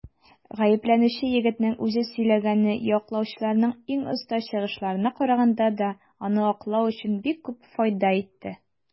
Гаепләнүче егетнең үзе сөйләгәне яклаучыларның иң оста чыгышларына караганда да аны аклау өчен бик күп файда итте.